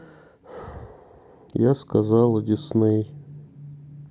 я сказала дисней